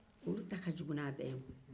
oluw ta ka jugu ni a bɛ ye woo